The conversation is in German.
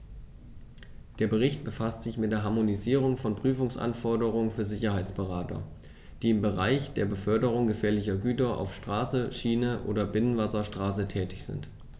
Der Bericht befasst sich mit der Harmonisierung von Prüfungsanforderungen für Sicherheitsberater, die im Bereich der Beförderung gefährlicher Güter auf Straße, Schiene oder Binnenwasserstraße tätig sind.